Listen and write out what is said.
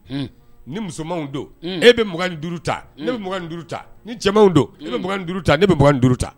Ni musomanw don e bɛ m ni duuru ta ne bɛ duuru ta cɛmanw do bɛ m duuru tan ne bɛ m d ta